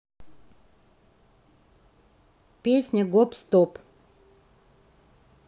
песня гоп стоп